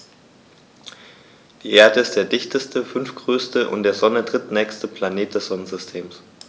Die Erde ist der dichteste, fünftgrößte und der Sonne drittnächste Planet des Sonnensystems.